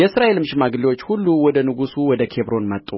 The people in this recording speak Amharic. የእስራኤልም ሽማግሌዎች ሁሉ ወደ ንጉሡ ወደ ኬብሮን መጡ